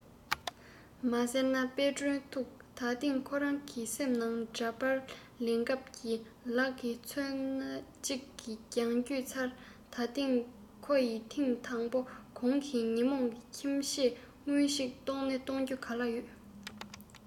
མ ཟེར ན དཔལ སྒྲོན ཐུགས ད ཐེངས ཁོ རང གི སེམས ནང དྲ པར ལེན སྐབས ཀྱི ལག གི མཚོན ན གཅིག གི རྒྱང བསྐྱོད ཚར ད ཐེངས ཁོ ཡི ཐེངས དང པོ གོང གི ཉིན མོར ཁྱིམ ཆས དངུལ ཆིག སྟོང ནི སྟོན རྒྱུ ག ལ ཡོད